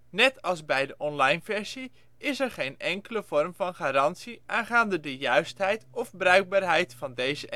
Net als bij de online versie is er geen enkele vorm van garantie aangaande de juistheid of bruikbaarheid van deze